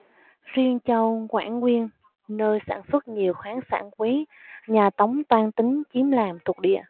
riêng châu quảng nguyên nơi sản xuất nhiều khoáng sản quý nhà tống toan tính chiếm làm thuộc địa